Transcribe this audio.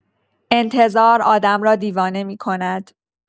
انتظار آدم را دیوانه می‌کند.